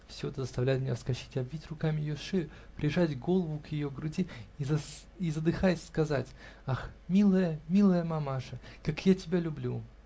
Все это заставляет меня вскочить, обвить руками ее шею, прижать голову к ее груди и, задыхаясь, сказать: -- Ах, милая, милая мамаша, как я тебя люблю!